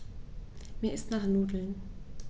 Mir ist nach Nudeln.